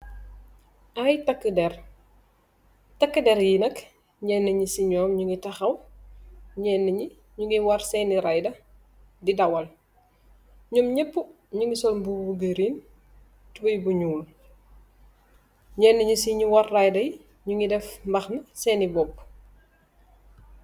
Ay takk der, takk der yi nak ñenn ñi ci ñoom ñu ngi taxaw, ñenn ñi ñu ngi war seeni rayda di dawal, ñoom ñépp ñu ngi sorm bubu green tubey bu ñuul, ñenn ñi ci ñu war ryday ñu ngi def mbaxna seeni bopp.